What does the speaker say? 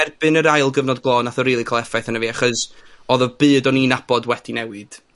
erbyn yr ail gyfnod glo nath o rili ca'l effaith arno achos, o'dd y byd o'n i nabod wedi newid.